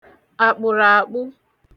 àkpụ̀raàkpụ